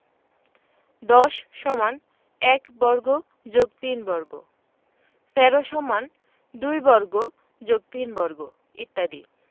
১০=১^২+২^২ ১৩=২^২+৩^২ ইত্যাদি